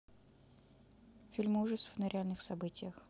фильмы ужасов на реальных событиях